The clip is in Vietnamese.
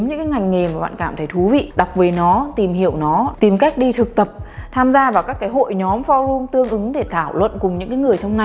những cái ngành nghề bạn cảm thấy thú vị đọc về nó tìm hiểu nó tìm cách đi thực tập tham gia vào các cái hội nhóm forum tương ứng để thảo luận cùng những cái người trong ngành